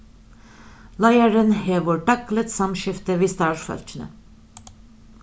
leiðarin hevur dagligt samskifti við starvsfólkini